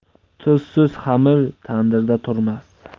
tuzsiz xamir tandirda turmas